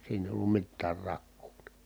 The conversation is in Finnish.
siinä ei ollut mitään rakoa niin